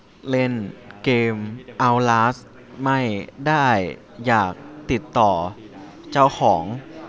เล่นเกมเอ้าลาสไม่ได้อยากติดต่อเจ้าของ